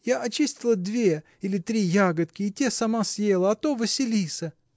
Я очистила две или три ягодки и те сама съела, а то Василиса.